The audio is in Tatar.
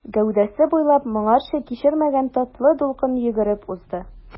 Гәүдәсе буйлап моңарчы кичермәгән татлы дулкын йөгереп узды.